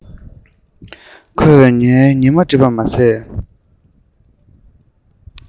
ཁོས ངའི ཉི མ སྒྲིབ པ མ ཟད